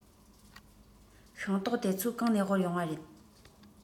ཤིང ཏོག དེ ཚོ གང ནས དབོར ཡོང བ རེད